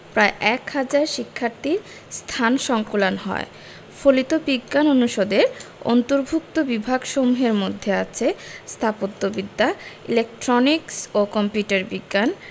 প্রায় এক হাজার শিক্ষার্থীর স্থান সংকুলান হয় ফলিত বিজ্ঞান অনুষদের অন্তর্ভুক্ত বিভাগসমূহের মধ্যে আছে স্থাপত্যবিদ্যা ইলেকট্রনিক্স ও কম্পিউটার বিজ্ঞান